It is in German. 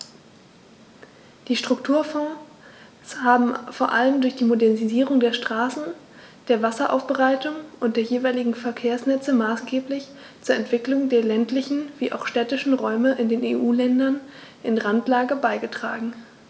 Die Strukturfonds haben vor allem durch die Modernisierung der Straßen, der Wasseraufbereitung und der jeweiligen Verkehrsnetze maßgeblich zur Entwicklung der ländlichen wie auch städtischen Räume in den EU-Ländern in Randlage beigetragen.